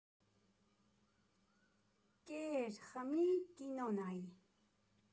Կեր, խմի, կինո նայի։